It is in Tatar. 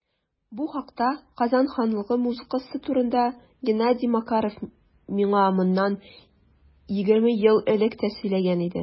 Бу хакта - Казан ханлыгы музыкасы турында - Геннадий Макаров миңа моннан 20 ел элек тә сөйләгән иде.